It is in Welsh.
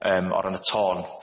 yym o ran y tôn.